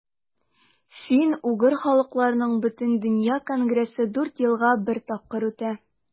Фин-угыр халыкларының Бөтендөнья конгрессы дүрт елга бер тапкыр үтә.